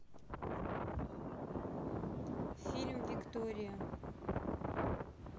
фильм виктория